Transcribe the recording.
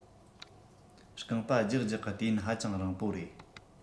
རྐང པ རྒྱག རྒྱག གི དུས ཡུན ཧ ཅང རིང པོ རེད